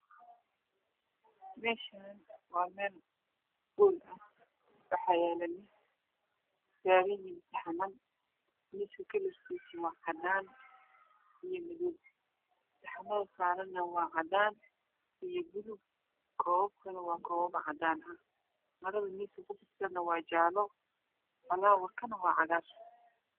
Meeshaani waa meel hool ah waxaana yaalo miis ay saaran yihiin saxaman miiska karrartiisana waa cadaan iyo madow saxamanta saarana waa cadaan iyo buluug, koobabka saarana waa mid cadaan ah marada miiska ku fidsana waa mid jaalo ah